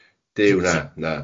Duw na, na.